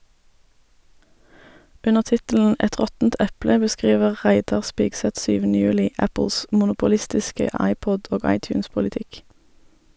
Under tittelen "Et råttent eple" beskriver Reidar Spigseth 7. juli Apples monopolistiske iPod- og iTunes-politikk.